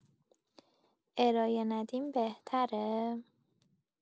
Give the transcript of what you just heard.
ارایه ندیم بهتره؟